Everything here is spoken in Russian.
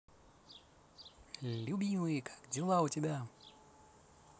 любимые как дела у тебя